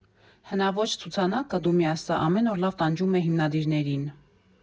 Հնաոճ ցուցանակը, դու մի ասա, ամեն օր լավ տանջում է հիմնադիրներին։